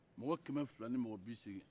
mɔgɔ kɛmɛ fila ni mɔgɔ bi segin